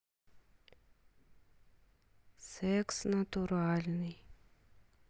секс натуральный